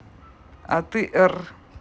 а ты p